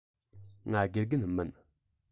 ང དགེ རྒན མིན